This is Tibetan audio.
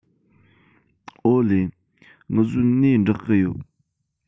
ཨོ ལེ ངི བཟོས ནས འབྲེག གི ཡོད